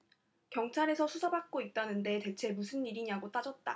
경찰에서 수사받고 있다는데 대체 무슨 일이냐고 따졌다